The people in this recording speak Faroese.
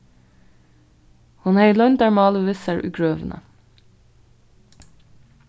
hon hevði loyndarmálið við sær í grøvina